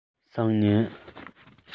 སང ཉིན